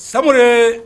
Sabure